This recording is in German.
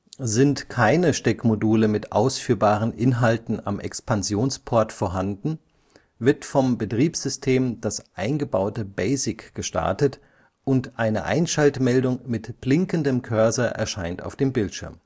Sind keine Steckmodule mit ausführbaren Inhalten am Expansionsport vorhanden, wird vom Betriebssystem das eingebaute BASIC gestartet und eine Einschaltmeldung mit blinkendem Cursor erscheint auf dem Bildschirm